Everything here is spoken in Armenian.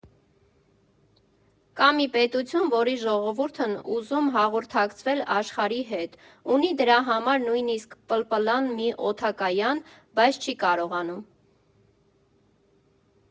Կա մի պետություն, որի ժողովուրդն ուզում հաղորդակցվել աշխարհի հետ, ունի դրա համար նույնիսկ պլպլան մի օդակայան, բայց չի կարողանում։